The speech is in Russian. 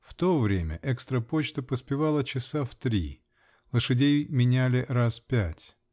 в то время экстра-почта поспевала часа в три. Лошадей меняли раз пять.